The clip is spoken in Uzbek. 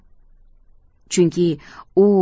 chunki u